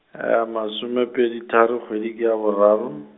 masome pedi tharo kgwedi ke ya boraro.